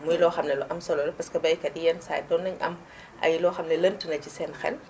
muy loo xam ne lu am solo la parce que baykat yi yenn saa yi doon nañu am ay loo xam ne lënt na ci seen xel